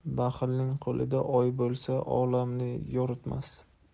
baxilning qo'lida oy bo'lsa olamni yoritmas